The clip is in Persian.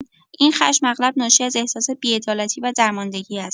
این خشم اغلب ناشی از احساس بی‌عدالتی و درماندگی است.